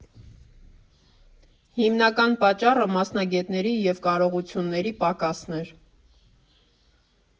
Հիմնական պատճառը մասնագետների և կարողությունների պակասն էր։